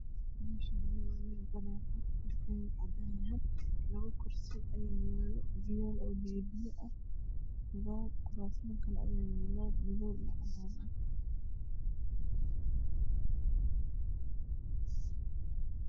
Meeshaan waa meel banaan ah dhulkeedu waa cadaan labo kursi ayaa yaalo oo fiyool biyo biyo ah. Sidoo kale waxaa yaalo kuraas kale oo madow iyo cadaan ah.